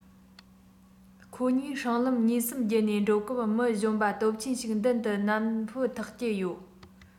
ཁོ གཉིས སྲང ལམ གཉིས གསུམ བརྒྱུད ནས འགྲོ སྐབས མི གཞོན པ སྟོབས ཆེན ཞིག མདུན དུ སྣམ སྤུ འཐགས ཀྱི ཡོད